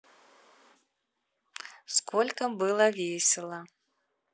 сколько было весело